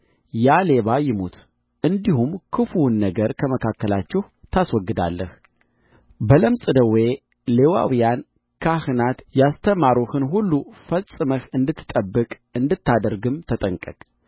ያ ሌባ ይሙት እንዲሁም ክፉውን ነገር ከመካከልህ ታስወግዳለህ በለምጽ ደዌ ሌዋውያን ካህናት ያስተማሩህን ሁሉ ፈጽመህ እንድትጠብቅ እንድታደርግም ተጠንቀቅ